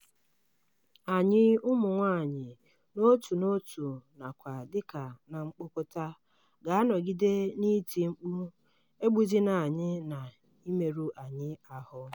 Anyị, ụmụ nwaanyị n'otu n'otu, nakwa dịka na mkpokọta, ga-anọgide n'iti mkpu "egbuzina anyị" na "imerụ anyị ahụ".